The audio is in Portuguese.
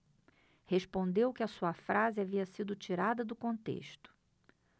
respondeu que a sua frase havia sido tirada do contexto